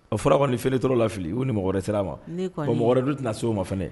A fɔra kɔni fɔ n'i t'aa la o fili , ou fɔ ni mɔgɔ wɛrɛ sera a ma bon mɔgɔ wɛrɛ dun tɛna so o ma fana